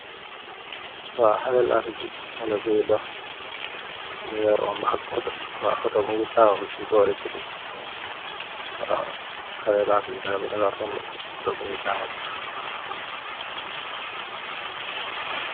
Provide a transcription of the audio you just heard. Waw haleh lafe giss haleh boye doh muge romba ak otu waw otu muge tahaw se bore betik waw haleh lafe giss haleh daha romba otu muge tahaw.